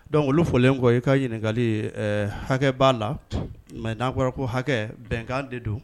Donc olu folen kɔ,i ka ɲininkakali ɛ hakɛ b'a mais n'a fɔra ko hakɛ bɛnkan de don.